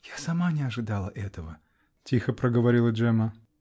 -- Я сама не ожидала этого, -- тихо проговорила Джемма.